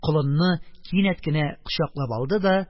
Колынны кинәт кенә кочаклап алды да: